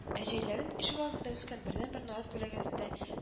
Ә җәйләрен ишегалдында үскән бердәнбер нарат күләгәсендә